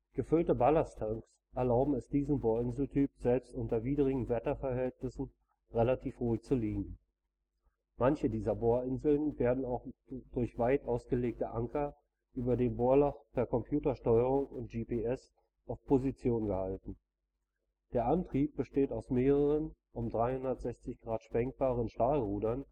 Gefüllte Ballasttanks erlauben es diesem Bohrinseltyp selbst unter widrigen Wetterverhältnissen relativ ruhig zu liegen. Manche dieser Bohrinseln werden durch weit ausgelegte Anker über dem Bohrloch per Computersteuerung und GPS auf Position gehalten durch eigene Antriebe. Der Antrieb besteht aus mehreren, um 360° schwenkbaren Strahlrudern